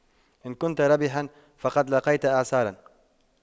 إن كنت ريحا فقد لاقيت إعصارا